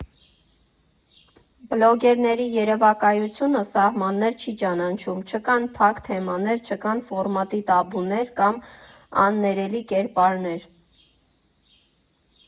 Բլոգերների երևակայությունը սահմաններ չի ճանաչում, չկան փակ թեմաներ, չկան ֆորմատի տաբուներ կամ աններելի կերպարներ։